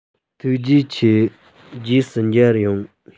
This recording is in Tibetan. ཐུགས རྗེ ཆེ རྗེས སུ མཇལ ཡོང